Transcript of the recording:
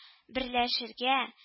Берләшергә